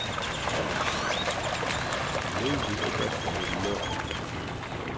lívið er bert ein lítil løta